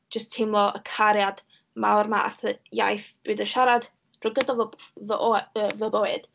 Jyst teimlo y cariad mawr 'ma at y iaith dwi 'di siarad drwy gydol fy b- fy oe-, yy, fy bywyd.